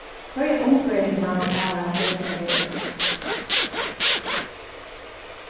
hvørja umbering man hann hava hesaferð